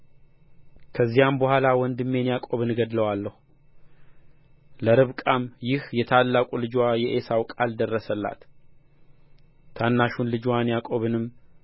ከዚያም በኋላ ወንድሜን ያዕቆብን እገድለዋለሁ ለርብቃም ይህ የታላቁ ልጅዋ የዔሳው ቃል ደረሰላት ታናሹን ልጅዋን ያዕቆብንም